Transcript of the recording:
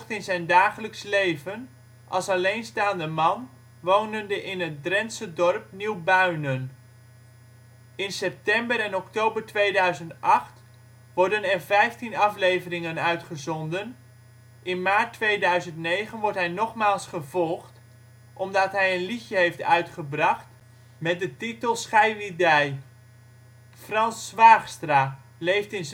in zijn dagelijks leven, als alleenstaande man wonende in het Drentse dorp Nieuw-Buinen. In september en oktober 2008 worden er 15 afleveringen uitgezonden, in maart 2009 wordt hij nogmaals gevolgd omdat hij een liedje heeft uitgebracht met de titel Schei wi dei. Frans Zwaagstra leeft in Zwaagwesteinde